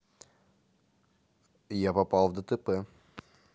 я попал в дтп